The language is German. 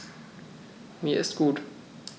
Mir ist gut.